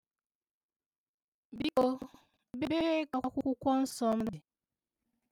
Biko, ebee ka Akwụkwọ Nsọ m dị?